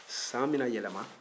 san bɛ na yɛlɛma